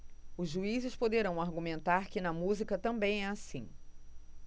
os juízes poderão argumentar que na música também é assim